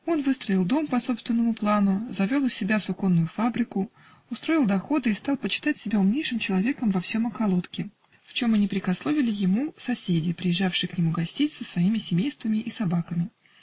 Он выстроил дом по собственному плану, завел у себя суконную фабрику, утроил доходы и стал почитать себя умнейшим человеком во всем околотке, в чем и не прекословили ему соседи, приезжавшие к нему гостить с своими семействами и собаками.